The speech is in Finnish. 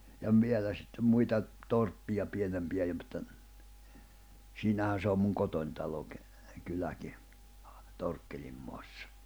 ja on vielä sitten muita torppia pienempiä ja mutta siinähän se on kotona talokin kyläkin Torkkelin maassa